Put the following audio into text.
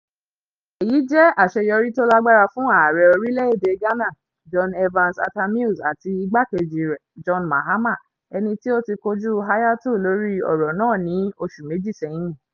Èyí jẹ́ àṣeyọrí tó lágbára fún ààrẹ orílẹ̀ èdè Ghana John Evans Atta Mills àti igbá-kejì rẹ̀ John Mahama ẹni tí ó ti kojú Hayatou lórí ọ̀rọ̀ náà ní oṣù méjì sẹ́yìn.